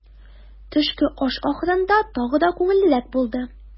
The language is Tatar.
Төшке аш ахырында тагы да күңеллерәк булды.